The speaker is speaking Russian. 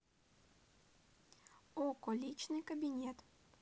окко личный кабинет